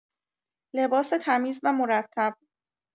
لباس تمیز و مرتب